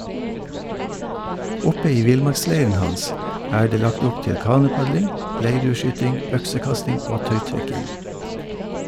Oppe i villmarksleiren hans er det lagt opp til kanopadling, leirdueskyting, øksekasting og tautrekking.